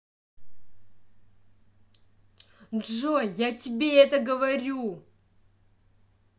джой я это тебе говорю